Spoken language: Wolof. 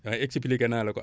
ndax expliqué naa la ko